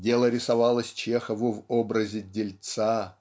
Дело рисовалось Чехову в образе дельца